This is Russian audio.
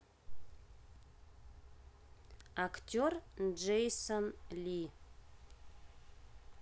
актер джейсон ли